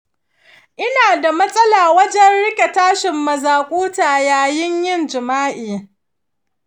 ina da matsala wajen riƙe tashin mazakuta yayin jima’i.